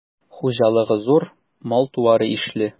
Хуҗалыгы зур, мал-туары ишле.